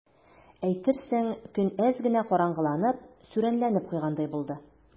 Әйтерсең, көн әз генә караңгыланып, сүрәнләнеп куйгандай булды.